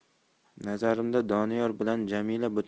nazarimda doniyor bilan jamila